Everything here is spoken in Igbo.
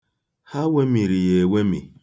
Ha wemiri ya ewemi.